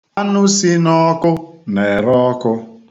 Anụ si n'ọkụ na-ere ọkụ.